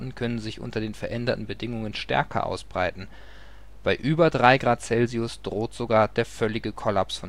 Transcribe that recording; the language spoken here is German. können sich unter den veränderten Bedingungen stärker ausbreiten. Bei über 3 °C droht sogar der völlige Kollaps